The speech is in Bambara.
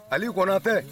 Aliu Konatɛ!